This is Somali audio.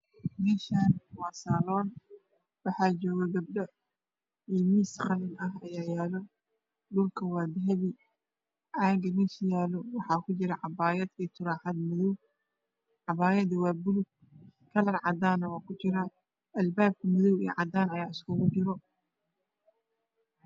Meshan waa saaloon waxaa joogo gabdaho iyo miis qalinaha ayaa yaaalo dhulko waa dahabi caaga mesha yaalo waxaa kujiro cabaayayada madow iyo turaaxad cabayadano waa gudood kalar cadan ahne xijaabka cadaan iyo gudood ayaa iskugo jiraan